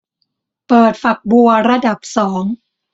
เปิดฝักบัวระดับสอง